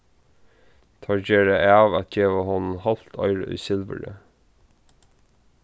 teir gera av at geva honum hálvt oyra í silvuri